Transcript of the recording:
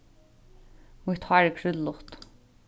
mítt hár er krúllut